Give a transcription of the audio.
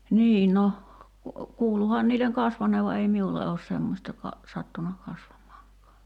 niin no kuuluihan niille kasvaneen vaan ei minulle ole semmoista - sattunut kasvamaankaan